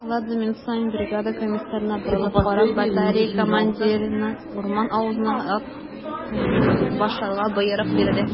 Каладзе, минут саен бригада комиссарына борылып карап, батарея командирына урман авызына ут һөҗүме башларга боерык бирде.